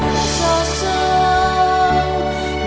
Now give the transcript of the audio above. mơ